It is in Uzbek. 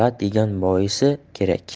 lat yegan boisa kerak